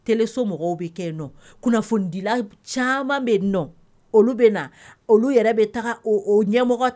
So kunnafonidi caman bɛ bɛ yɛrɛ bɛ taa ɲɛmɔgɔ